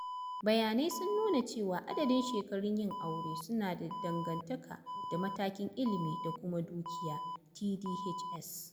Bayanai sun nuna cewa adadin shekarun yin aure su na da danganta da matakin ilimi da kuma dukiya (TDHS).